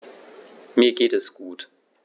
Mir geht es gut.